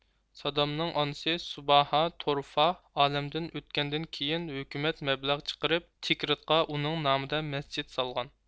سادامنىڭ ئانىسى سۇباھا تورفاھ ئالەمدىن ئۆتكەندىن كىيىن ھۆكۈمەت مەبلەغ چىقىرىپ تىكرىتقا ئۇنىڭ نامىدا مەسچىت سالغان